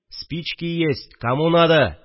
Спички есть, кому надо